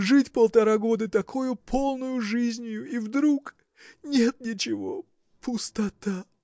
Жить полтора года такою полною жизнию и вдруг – нет ничего! пустота.